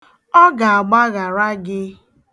Ọ ga-agbaghara gị.